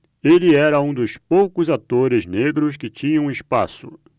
ele era um dos poucos atores negros que tinham espaço